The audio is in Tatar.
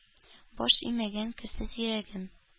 Баш имәгән керсез йөрәгем.